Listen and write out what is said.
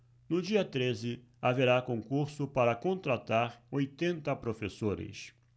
no dia treze haverá concurso para contratar oitenta professores